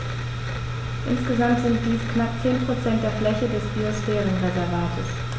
Insgesamt sind dies knapp 10 % der Fläche des Biosphärenreservates.